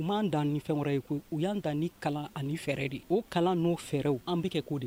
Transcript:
U'an dan ni fɛn wɛrɛ ye u y'an dan ni kalan ani fɛɛrɛ de o kalan n'o fɛɛrɛw an bɛ kɛ ko de